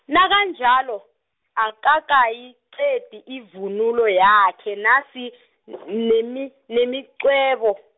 nakanjalo, akakayiqedi ivunulo yakhe nasi n- nemi- nemiqwebo.